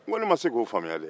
ko ne ma se k'o faamuya dɛ